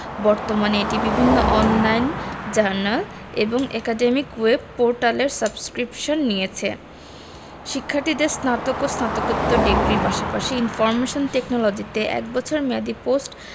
বর্তমানে এটি বিভিন্ন অন লাইন জার্নাল এবং একাডেমিক ওয়েব পোর্টালের সাবস্ক্রিপশান নিয়েছে শিক্ষার্থীদের স্নাতক ও স্নাতকোত্তর ডিগ্রির পাশাপাশি ইনফরমেশন টেকনোলজিতে এক বছর মেয়াদি পোস্ট